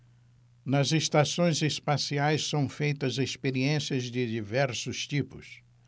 nas estações espaciais são feitas experiências de diversos tipos